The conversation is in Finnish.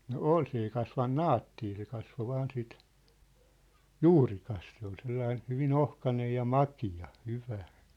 no oli se ei kasvanut naattia se kasvoi vain sitä juurikas se oli sellainen hyvin ohkainen ja makea hyvä